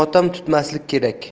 motam tutmaslik kerak